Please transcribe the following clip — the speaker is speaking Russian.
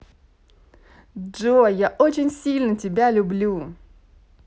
джой я очень сильно тебя люблю